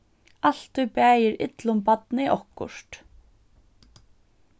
altíð bagir illum barni okkurt